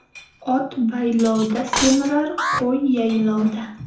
ot boylovda semirar qo'y yaylovda